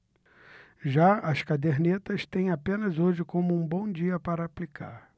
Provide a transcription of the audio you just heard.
já as cadernetas têm apenas hoje como um bom dia para aplicar